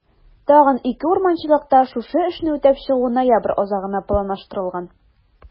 Тагын 2 урманчылыкта шушы эшне үтәп чыгу ноябрь азагына планлаштырылган.